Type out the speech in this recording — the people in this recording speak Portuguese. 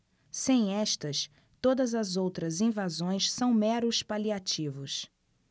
sem estas todas as outras invasões são meros paliativos